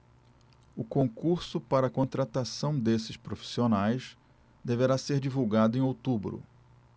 o concurso para contratação desses profissionais deverá ser divulgado em outubro